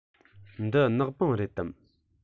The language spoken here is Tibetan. འདི ནག པང རེད དམ